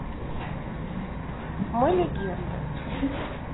мы легенды